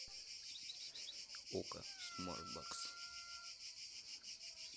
окко смартбокс